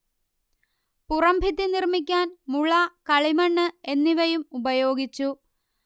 പുറം ഭിത്തി നിർമ്മിക്കാൻ മുള കളിമണ്ണ് എന്നിവയും ഉപയോഗിച്ചു